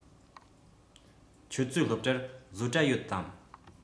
ཁྱོད ཚོའི སློབ གྲྭར བཟོ གྲྭ ཡོད དམ